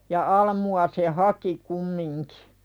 ja almuja se haki kumminkin